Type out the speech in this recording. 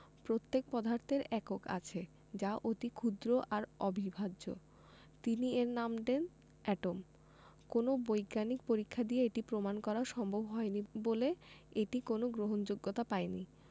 প্রত্যেক পদার্থের একক আছে যা অতি ক্ষুদ্র আর অবিভাজ্য তিনি এর নাম দেন এটম কোনো বৈজ্ঞানিক পরীক্ষা দিয়ে এটি প্রমাণ করা সম্ভব হয়নি বলে এটি কোনো গ্রহণযোগ্যতা পায়নি